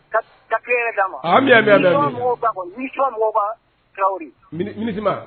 Ka kɛnɛ' ma an mɔgɔwba kari